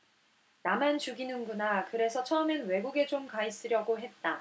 나만 죽이는 구나 그래서 처음엔 외국에 좀 가있으려고 했다